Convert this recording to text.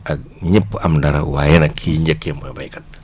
ak ñëpp am dara waaye nag ki ñiy njëkkee mooy béykat bi